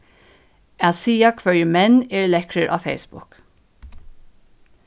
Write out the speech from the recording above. at siga hvørjir menn eru lekkrir á facebook